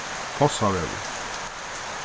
fossavegur